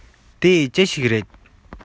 དེ ཅི ཞིག རེད